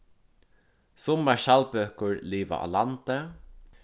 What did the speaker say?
summar skjaldbøkur liva á landi